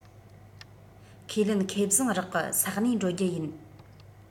ཁས ལེན ཁེ བཟང རག གི ས གནས འགྲོ རྒྱུ ཡིན